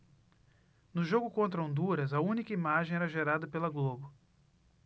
no jogo contra honduras a única imagem era gerada pela globo